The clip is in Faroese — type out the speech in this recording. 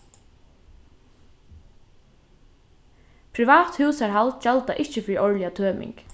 privat húsarhald gjalda ikki fyri árliga tøming